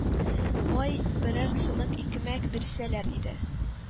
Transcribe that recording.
Ай, берәр сынык икмәк бирсәләр иде